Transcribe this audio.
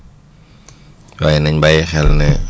waaye nañ bàyyi xel ne